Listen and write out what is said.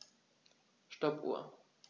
Stoppuhr.